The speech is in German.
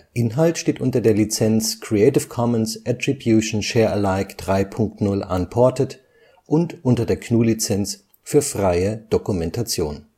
Inhalt steht unter der Lizenz Creative Commons Attribution Share Alike 3 Punkt 0 Unported und unter der GNU Lizenz für freie Dokumentation